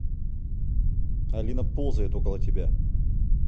алина ползает около тебя